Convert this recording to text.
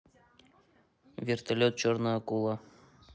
вертолет черная акула